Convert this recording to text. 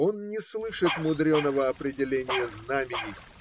он не слышит мудреного определения знамени